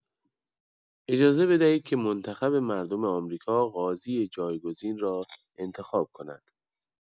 اجازه بدهید که منتخب مردم آمریکا قاضی جایگزین را انتخاب کند.